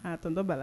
A ttɔ'a la